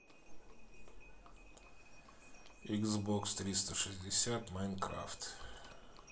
икс бокс триста шестьдесят майнкрафт